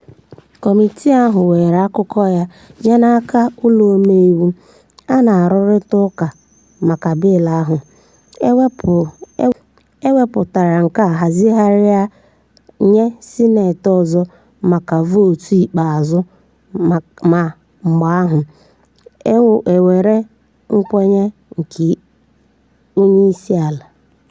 Kọmitii ahụ were akụkọ ya nye n'aka Ụlọ Omeiwu, a na-arụrịta ụka maka bịịlụ ahụ, e wepụtara nke a hazigharịrị nye Sineetị ọzọ maka vootu ikpeazụ ma mgbe ahụ, e nwere nkwenye nke onyeisiala.